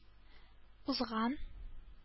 Узган